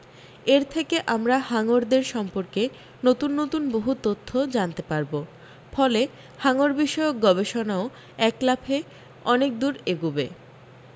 এর থেকে আমরা হাঙরদের সম্পর্কে নতুন নতুন বহু তথ্য জানতে পারব ফলে হাঙর বিষয়ক গবেষণাও এক লাফে অনেক দূর এগোবে